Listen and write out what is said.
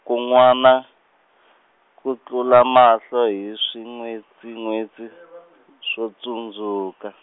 kun'wana, ku tlula mahlo hi swin'wetsin'wetsi, swo tsundzuka.